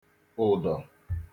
ụdọ